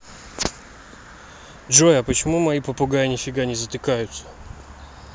джой а почему мои попугаи нифига не затыкаются